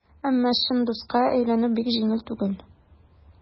Әмма чын дуска әйләнү бик җиңел түгел.